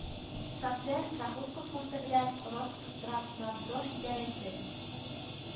Социаль страховка фонды белән Росздравнадзор идарәсе